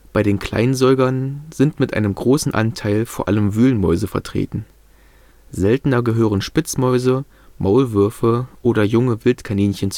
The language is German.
Bei den Kleinsäugern sind mit einem großen Anteil vor allem Wühlmäuse vertreten. Seltener gehören Spitzmäuse, Maulwürfe oder junge Wildkaninchen